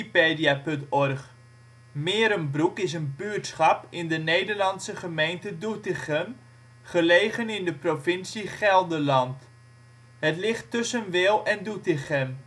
57 ' NB, 6° 13 ' OL Meerenbroek Plaats in Nederland Situering Provincie Gelderland Gemeente Doetinchem Coördinaten 51° 58′ NB, 6° 14′ OL Portaal Nederland Meerenbroek is een buurtschap in de Nederlandse gemeente Doetinchem, gelegen in de provincie Gelderland. Het ligt tussen Wehl en Doetinchem